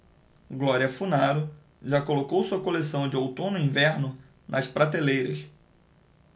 glória funaro já colocou sua coleção de outono-inverno nas prateleiras